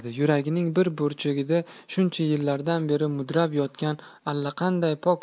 yuragining bir burchida shuncha yillardan beri mudrab yotgan allaqanday pok